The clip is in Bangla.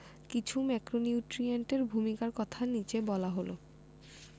কিছু ম্যাক্রোনিউট্রিয়েন্টের ভূমিকার কথা নিচে বলা হল